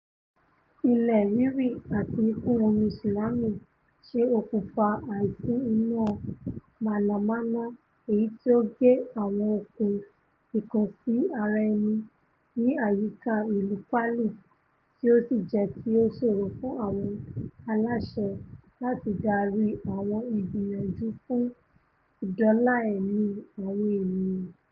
Ilẹ̀ rírì àti ìkún-omi tsunami ṣe okùnfà àìsí iná mànàmáná èyití ó gé àwọn okùn ìkànsí-ara-ẹni ní àyíká ìlú Palu tí ó sì jẹ́kí ó ṣòro fun àwọn aláṣẹ làti darí àwọn igbiyanju fún ìdóòlà-ẹ̀mí àwọn ènìyàn.